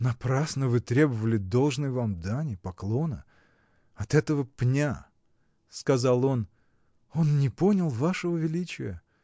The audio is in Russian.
— Напрасно вы требовали должной вам дани, поклона, от этого пня, — сказал он, — он не понял вашего величия.